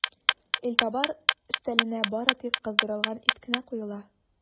Илтабар өстәленә бары тик кыздырылган ит кенә куела.